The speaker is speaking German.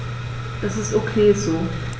Das ist ok so.